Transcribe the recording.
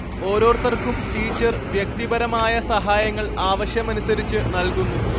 ഓരോരുത്തർക്കും ടീച്ചർ വ്യക്തിപരമായ സഹായങ്ങൾ ആവശ്യമനുസരിച്ച് നൽകുന്നു